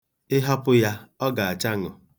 Ị hapụ ya, ọ ga-achaṅụ.